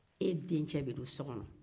e denkɛ bɛ don sokɔnɔ